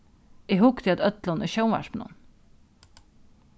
eg hugdi at øllum í sjónvarpinum